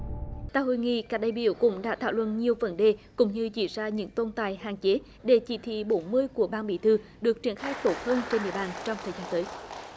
tại hội nghị các đại biểu cũng đã thảo luận nhiều vấn đề cũng như chỉ ra những tồn tại hạn chế để chỉ thị bốn mươi của ban bí thư được triển khai tốt hơn trên địa bàn trong thời gian tới